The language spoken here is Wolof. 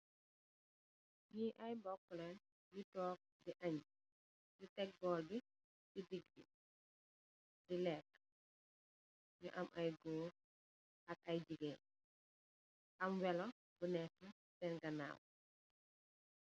Ñii ay mbooku lañg ñu toog di añge, ñu tek bool bi si diggë bi di leekë. Mu am ay goor ak ay jigéen, am welo bu neekë si seen ganaaw.